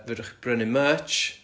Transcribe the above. fedrwch chi prynu merch